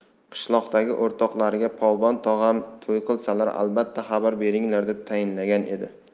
qishloqdagi o'rtoqlariga polvon tog'am to'y qilsalar albatta xabar beringlar deb tayinlagan edi